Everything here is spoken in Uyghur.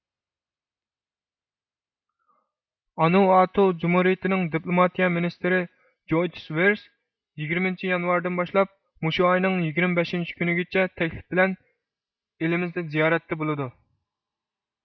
ئانۇئاتۇ جۇمھۇرىيىتىنىڭ دىپلۇماتىيە مىنىستىرى جويتىس ۋېرس يىگىرمىنچى يانۋاردىن باشلاپ مۇشۇ ئاينىڭ يىگىرمە بەشىنچى كۈنىگىچە تەكلىپ بىلەن ئېلىمىزدە زىيارەتتە بولىدۇ